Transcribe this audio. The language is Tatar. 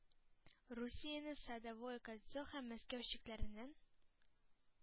– русияне садовое кольцо һәм мәскәү чикләреннән